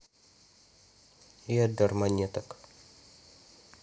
eador монеток